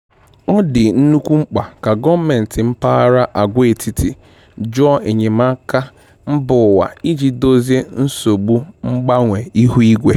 Ọ dị nnukwu mkpa ka gọọmentị mpaghara agwaetiti jụọ enyemaaka mbaụwa iji dozie nsogbu mgbanwe ihuigwe.